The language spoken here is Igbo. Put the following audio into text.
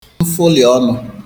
mfụlị̀ ọnụ